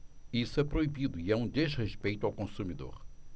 isso é proibido e é um desrespeito ao consumidor